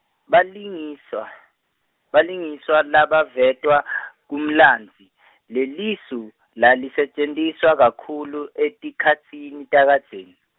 balingiswa, balingiswa labavetwa , ngumlandzi, lelisu, lalisetjentiswa kakhulu etikhatsini takadzeni.